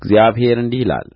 እግዚአብሔር እንዲህ ይላል